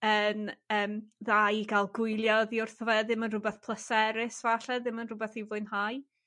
yn yym dda i ga'l gwylie oddi wrtho fe ddim yn rhwbeth pleserus falle ddim yn rhwbeth iw fwynhau.